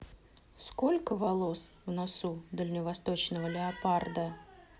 сколько волос в носу дальневосточного леопарда